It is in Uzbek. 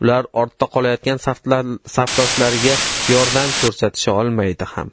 ular ortda qolayotgan safdoshlariga yordam ko'rsatisholmaydi ham